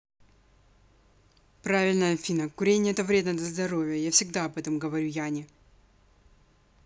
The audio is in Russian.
правильно афина курение это вредно для здоровья я всегда об этом говорю яне